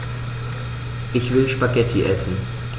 Ich will Spaghetti essen.